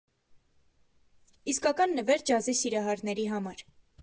Իսկական նվեր ջազի սիրահարների համար։